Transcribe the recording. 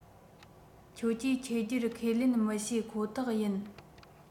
ཁྱོད ཀྱིས ཁྱེར རྒྱུར ཁས ལེན མི བྱེད ཁོ ཐག ཡིན